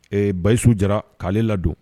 Ee ,Bayisu Jara k'ale ladon